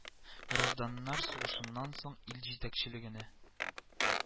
Гражданнар сугышыннан соң ил итәкчелегенә